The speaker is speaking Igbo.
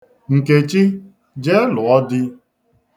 Nkechi, jee lụọ di.